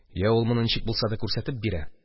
Йә ул моны ничек булса да күрсәтеп бирә